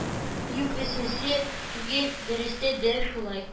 Юк, вәсвәсә түгел, дөрестә дә шулай.